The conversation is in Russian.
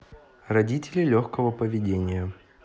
родители легкого поведения